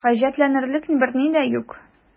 Гаҗәпләнерлек берни дә юк.